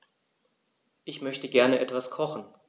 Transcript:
Ich möchte gerne etwas kochen.